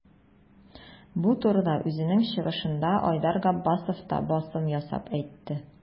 Бу турыда үзенең чыгышында Айдар Габбасов та басым ясап әйтте.